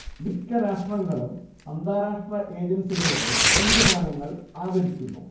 മിക്കരാഷ്ട്രങ്ങളും അന്താരാഷ്ട്ര ഏജൻസികളുടെ തീരുമാനങ്ങൾ ആദരിക്കുന്നു